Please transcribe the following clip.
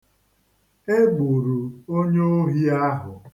E gburu onyoohi ahụ